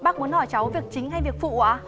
bác muốn hỏi cháu việc chính hay việc phụ ạ